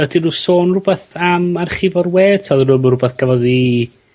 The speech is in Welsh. ydyn nw sôn rhwbeth am archifo'r we, 'ta odd o' nw'm yn rwbath gafodd 'i